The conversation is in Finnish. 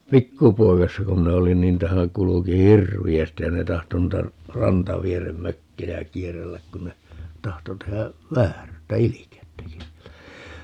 pikkupoikasena kun minä olin niin niitähän kulki hirveästi ja ne tahtoi noita rantavieren mökkejä kierrellä kun ne tahtoi tehdä vääryyttä ilkeyttäkin siellä